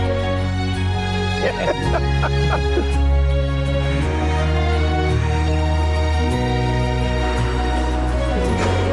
Ie!